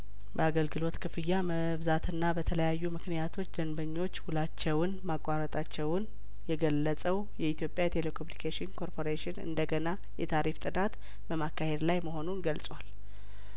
በአገልግሎት ክፍያመብዛትና በተለያዩ ምክንያቶች ደንበኞችውላቸውን ማቋረጣቸውን የገለጸው የኢትዮጵያ የቴሌኮሚኒኬሽን ኮርፖሬሽን እንደገና የታሪፍ ጥናት በማካሄድ ላይ መሆኑን ገልጿል